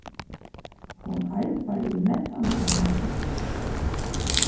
hon arbeiðir í mentamálaráðnum